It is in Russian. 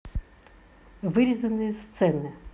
вырезанные сцены